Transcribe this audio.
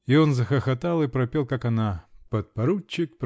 И он захохотал и пропел, как она: "Подпоручик!